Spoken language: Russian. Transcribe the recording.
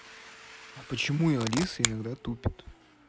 а почему алиса иногда тупит